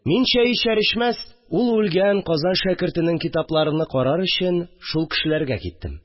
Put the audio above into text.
Мин чәй эчәр-эчмәс, ул үлгән Казан шәкертенең китапларыны карар өчен, шул кешеләргә киттем